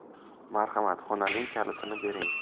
marhamat xonaning kalitini bering